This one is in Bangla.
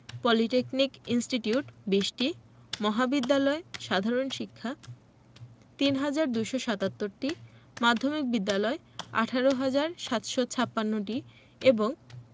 পলিটেকনিক ইনস্টিটিউট ২০টি মহাবিদ্যালয় সাধারণ শিক্ষা ৩হাজার ২৭৭টি মাধ্যমিক বিদ্যালয় ১৮হাজার ৭৫৬টি এবং